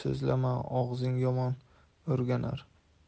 so'zlama og'zing yomon o'rganar